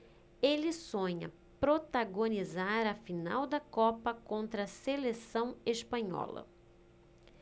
ele sonha protagonizar a final da copa contra a seleção espanhola